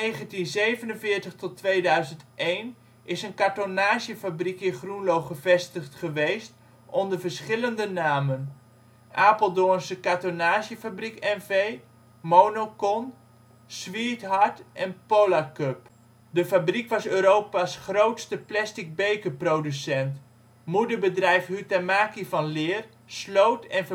verkiezingen. Van 1947 tot 2001 is een kartonnagefabriek in Groenlo gevestigd geweest onder verschillende namen: Apeldoornsche Cartonnagefabriek N.V, Monocon, Sweetheart en Polarcup. De fabriek was Europa 's grootste plastic bekerproducent. Moederbedrijf Huhtamaki van Leer sloot en